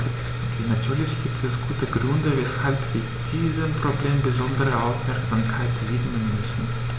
Natürlich gibt es gute Gründe, weshalb wir diesem Problem besondere Aufmerksamkeit widmen müssen.